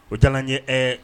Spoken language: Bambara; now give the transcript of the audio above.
O caaman ye ɛɛ